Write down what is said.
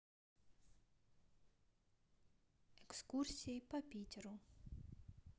экскурсии по питеру